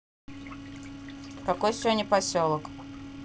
какой сегодня поселок